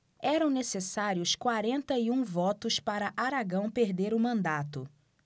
eram necessários quarenta e um votos para aragão perder o mandato